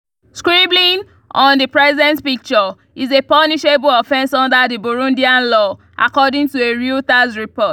Scribbling [on the president’s picture] is a punishable offense under the Burundian law, according to a Reuters report.